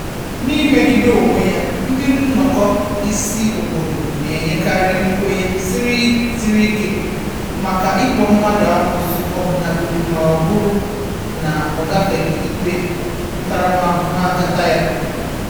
N'imegide onwe ya, ndị nnọkọ isi obodo na-enyekarị nkwenye siri ike maka ịkpọ mmadụ amoosu ọbụnagodu ma ọ bụrụ na o gafeghị ikpe ntaramahụhụ a ga-ata ya.